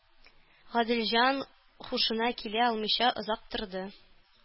Гаделҗан һушына килә алмыйча озак торды